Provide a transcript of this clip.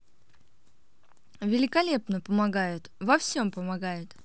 великолепно помогает во всем помогают